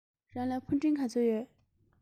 རང ལ ཕུ འདྲེན ག ཚོད ཡོད